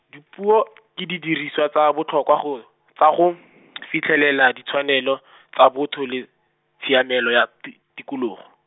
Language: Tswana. dipuo, ke didiriswa tsa botlhokwa go, tsa go , fitlhelela ditshwanelo, tsa botho le, tshiamelo ya ti-, tikologo.